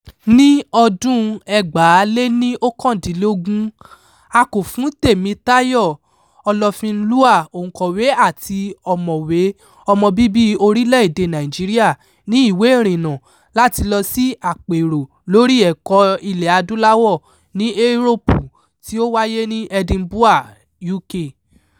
Ní ọdún-un 2019, a kò fún Tèmítáyọ̀ Ọlọ́finlúà, òǹkọ̀wé àti ọ̀mọ̀wé ọmọbíbí orílẹ̀-èdèe Nàìjíríà, ní ìwé ìrìnnà láti lọ sí Àpérò Lórí Ẹ̀kọ́ Ilẹ̀ Adúláwọ̀ ní Éróòpù tí ó wáyé ní Edinburgh, UK.